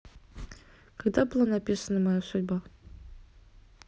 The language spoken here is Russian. когда была написана моя судьба